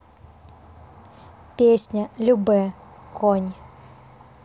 песня любэ конь